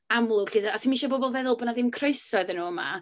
amlwg 'lly tibod. A ti'm isio bobl feddwl bo' 'na ddim croeso iddyn nhw yma.